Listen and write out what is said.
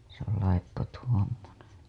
se on laippo tuommoinen